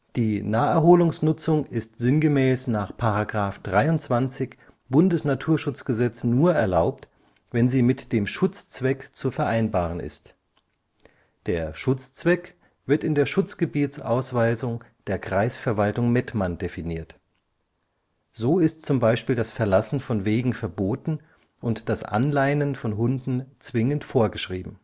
Die Naherholungsnutzung ist sinngemäß nach § 23 Bundesnaturschutzgesetz nur erlaubt, wenn sie mit dem Schutzzweck zu vereinbaren ist. Der Schutzzweck wird in der Schutzgebietsausweisung der Kreisverwaltung Mettmann definiert. So ist zum Beispiel das Verlassen von Wegen verboten und das Anleinen von Hunden zwingend vorgeschrieben